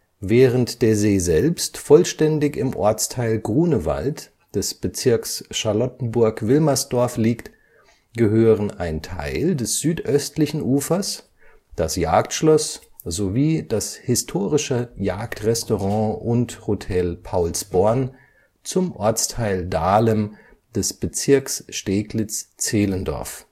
Während der See selbst vollständig im Ortsteil Grunewald des Bezirks Charlottenburg-Wilmersdorf liegt, gehören ein Teil des südöstlichen Ufers, das Jagdschloss sowie das historische Jagdrestaurant und Hotel Paulsborn zum Ortsteil Dahlem des Bezirks Steglitz-Zehlendorf